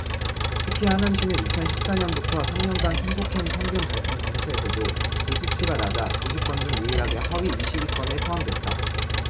특히 하남시는 이천 십 사 년부터 삼 년간 성폭행 평균 발생 건수에서도 그 수치가 낮아 도시권 중 유일하게 하위 이십 위권에 포함됐다